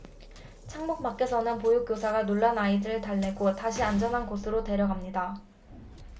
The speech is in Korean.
창문 밖에서는 보육교사가 놀란 아이들을 달래고 다시 안전한 곳으로 데려갑니다